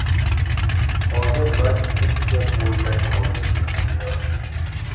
hozir rak hech gap bo'lmay qoldi